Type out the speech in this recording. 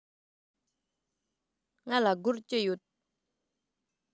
ང ལ སྒོར བཅུ ཡོད